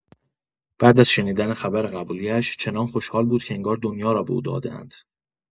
بعد از شنیدن خبر قبولی‌اش، چنان خوشحال بود که انگار دنیا را به او داده‌اند.